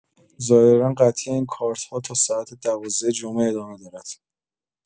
ظاهرا قطعی این کارت‌ها تا ساعت ۱۲ جمعه ادامه دارد.